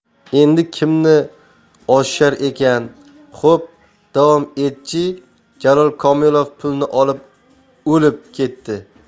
endi kimni osishar ekan xo'p davom et chi jalol komilov pulni olib o'lib ketdi